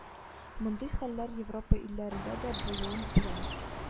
Мондый хәлләр европа илләрендә дә булуын беләм